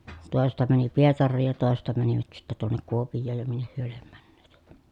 toisesta meni Pietariin ja toisesta menivät sitten tuonne Kuopioon ja minne he lie menneet